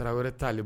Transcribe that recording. Tara wɛrɛ t'ale b